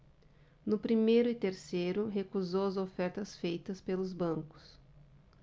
no primeiro e terceiro recusou as ofertas feitas pelos bancos